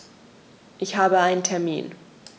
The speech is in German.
Ich habe einen Termin.